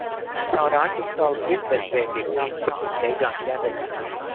sau đó chúng tôi quyết định về việt nam sống để gần gia đình anh ấy